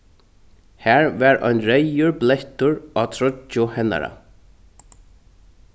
har var ein reyður blettur á troyggju hennara